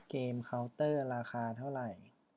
เกมเค้าเตอร์ราคาเท่าไหร่